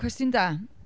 Cwestiwn da.